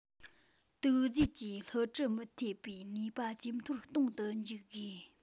དུག རྫས ཀྱིས སླུ བྲིད མི ཐེབས པའི ནུས པ ཇེ མཐོར གཏོང དུ འཇུག དགོས